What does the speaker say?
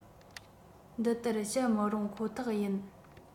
འདི ལྟར བཤད མི རུང ཁོ ཐག ཡིན